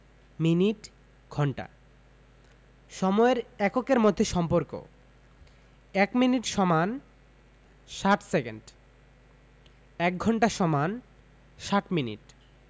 minute ঘন্টা সময়ের এককের মধ্যে সম্পর্কঃ ১ মিনিট = ৬০ সেকেন্ড ১ঘন্টা = ৬০ মিনিট